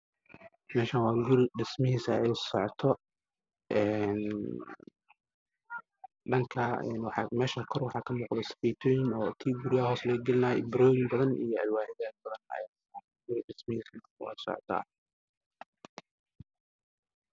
Waa meel dhismo ka socdo bal waxye fara badan oo lagu celinaayo saxiixaad koro midabkeedu yahay madow